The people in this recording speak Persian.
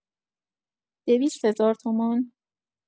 دویست هزار تومان؟